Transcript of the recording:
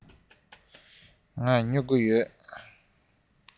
ང ལ སྨྱུ གུ ཡོད